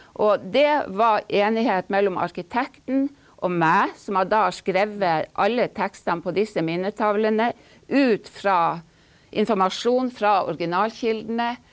og det var enighet mellom arkitekten og meg som har da har skrevet alle tekstene på disse minnetavlene ut fra informasjon fra originalkildene.